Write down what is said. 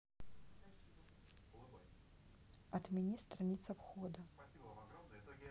отмени страница входа